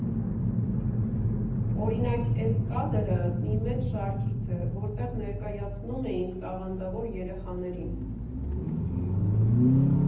Օրինակ՝ էս կադրը մի մեծ շարքից է, որտեղ ներկայացնում էինք տաղանդավոր երեխաներին։